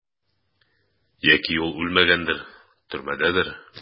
Яки ул үлмәгәндер, төрмәдәдер?